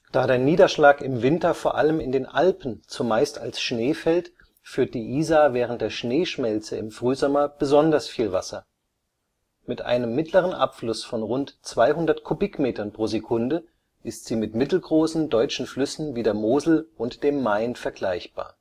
Da der Niederschlag im Winter vor allem in den Alpen zumeist als Schnee fällt, führt die Isar während der Schneeschmelze im Frühsommer besonders viel Wasser. Mit einem mittleren Abfluss von rund 200 Kubikmetern pro Sekunde ist sie mit mittelgroßen deutschen Flüssen wie der Mosel und dem Main vergleichbar